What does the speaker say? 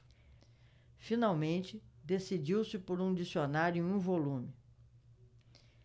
finalmente decidiu-se por um dicionário em um volume